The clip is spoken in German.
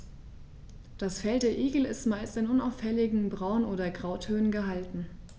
Das Fell der Igel ist meist in unauffälligen Braun- oder Grautönen gehalten.